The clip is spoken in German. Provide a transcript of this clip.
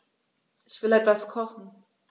Ich will etwas kochen.